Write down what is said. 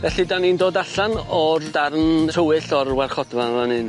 Felly 'dan ni'n dod allan o'r darn tywyll o'r warchodfa fan 'yn...